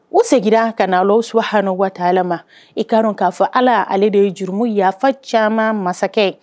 U seginna ka na su ha waati ala ma i kan k'a fɔ ala' ale de ye juru yafafa caman masakɛ